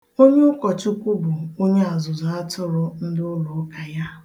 Onye ụkọchukwu bụ onyeọzụzụ atụrụ ndị ụlụụka ya